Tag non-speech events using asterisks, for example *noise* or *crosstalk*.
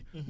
*hesitation* *hesitation*